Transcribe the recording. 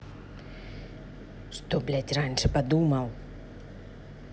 что блять раньше подумал